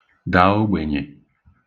dà ogbènyè